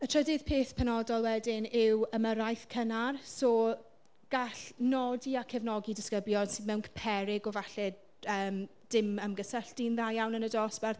Y trydydd peth penodol wedyn yw ymyrraeth cynnar. So gall nodi a cefnogi disgyblion sydd mewn c- peryg o falle yym dim ymgysylltu'n dda iawn yn y dosbarth.